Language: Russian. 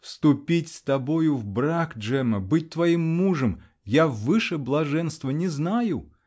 -- Вступить с тобою в брак, Джемма, быть твоим мужем -- я выше блаженства не знаю!